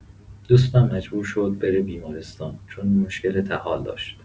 دوستم مجبور شد بره بیمارستان چون مشکل طحال داشت.